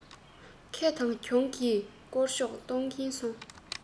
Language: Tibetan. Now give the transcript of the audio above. ཁེ དང གྱོང གི བསྐོར ཕྱོགས གཏོང གིན སོང